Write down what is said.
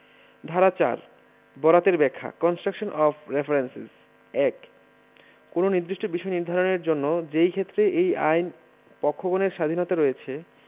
ধারা ৪ বরাতের ব্যাখ্যা কন্সট্রাকশন অফ রেফারেঞ্চেস ১ কোন নির্দিষ্ট বিষয় নির্ধারণের জন্য যেইক্ষেত্রে এই আইন পক্ষগণের স্বাধীণতা রয়েছে